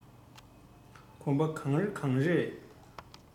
གོམ པ གང རེ གང རེས